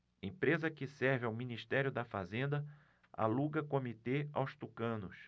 empresa que serve ao ministério da fazenda aluga comitê aos tucanos